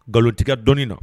Nkalontigɛ dɔɔnin na